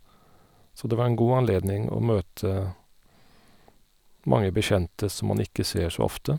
Så det var en god anledning å møte mange bekjente som man ikke ser så ofte.